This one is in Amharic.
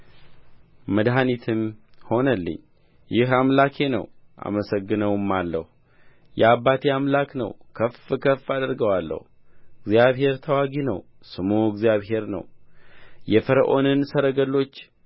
መድኃኒቴም ሆነልኝ ይህ አምላኬ ነው አመሰግነውማለሁ የአባቴ አምላክ ነው ከፍ ከፍም አደርገዋለሁ እግዚአብሔር ተዋጊ ነው ስሙም እግዚአብሔር ነው የፈርዖንን ሰረገሎች